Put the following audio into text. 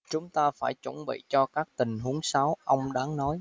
chúng ta phải chuẩn bị cho các tình huống xấu ông đáng nói